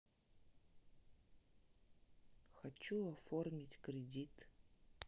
хочу оформить кредит